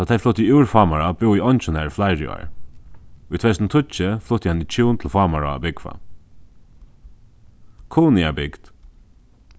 tá tey fluttu úr fámará búði eingin har fleiri ár í tvey túsund og tíggju fluttu eini hjún til fámará at búgva kunoyar bygd